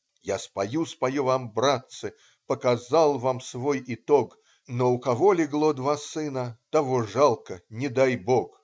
Я спою, спою вам братцы Показал вам свой итог Но у кого легло два сына Того жалко, не дай Бог.